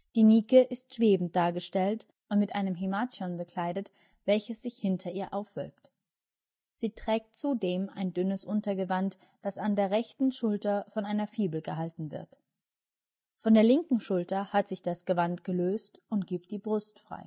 Die Nike ist schwebend dargestellt und mit einem himation bekleidet, welches sich hinter ihr aufwölbt. Sie trägt zudem ein dünnes Untergewand, das an der rechten Schulter von einer Fibel gehalten wird. Von der linken Schulter hat sich das Gewand gelöst und gibt die Brust frei